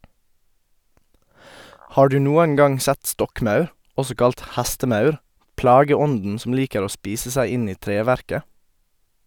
Har du noen gang sett stokkmaur, også kalt hestemaur, plageånden som liker å spise seg inn i treverket?